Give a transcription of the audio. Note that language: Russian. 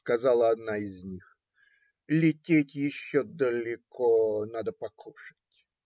- сказала одна из них, - Лететь еще далеко; надо покушать.